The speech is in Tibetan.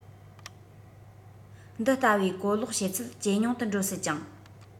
འདི ལྟ བུའི གོ ལོག བྱེད ཚད ཇེ ཉུང དུ འགྲོ སྲིད ཅིང